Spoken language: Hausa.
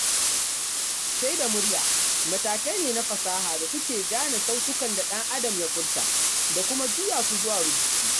Shaida murya matakai ne na fasaha da suke gane sautukan da ɗan-adam ya furta da kuma juya su zuwa rubutu.